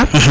axa